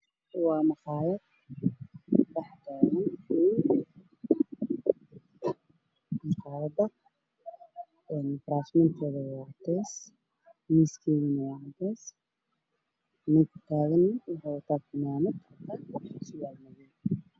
Ciidamada makhaayad nin ayaa fadhiya dadna way soco socdaan maqaayad waxaa yaalo kuraas